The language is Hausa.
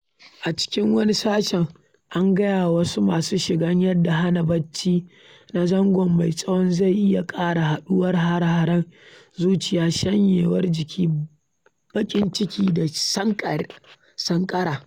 A cikin wani sashen, an gaya wa masu shigan yadda hana barci na zango mai tsawo zai iya ƙara haɗuran hare-haren zuciya, shanyewar jiki, baƙin ciki da sankara.